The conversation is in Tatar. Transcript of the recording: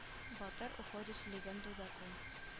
Батыр уходит в легенду докум